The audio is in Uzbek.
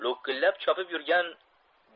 lo'killab chopib yurgan